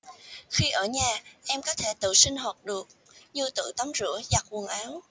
khi ở nhà em có thể tự sinh hoạt được như tự tắm rửa giặt quần áo